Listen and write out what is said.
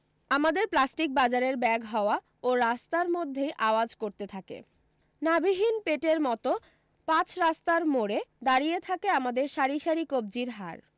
আমাদের প্লাস্টিক বাজারের ব্যাগ হাওয়া ও রাস্তার মধ্যেই আওয়াজ করতে থাকে নাভিহীন পেটের মতো পাঁচরাস্তার মোড়ে দাঁড়িয়ে থাকে আমাদের সারি সারি কব্জির হাড়